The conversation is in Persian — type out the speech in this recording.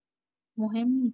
مهم نیست.